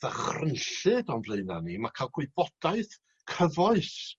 ddychrynllyd o'n blaena' ni ma' ca'l gwybodaeth cyfoes